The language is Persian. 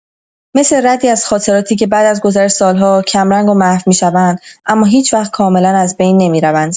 مثل ردی از خاطراتی که بعد از گذر سال‌ها، کم‌رنگ و محو می‌شوند، اما هیچ‌وقت کاملا از بین نمی‌روند.